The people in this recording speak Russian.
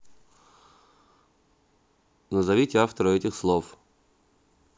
назовите автора этих слов